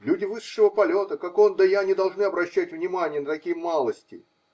Люди высшего полета, как он да я, не должны обращать внимания на такие малости.